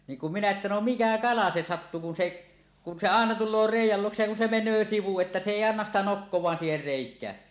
niin kun minä että no mikä kala se sattui kun se kun se aina tulee reiän luokse ja kun se menee sivuun että se ei anna sitä nokkaansa siihen reikään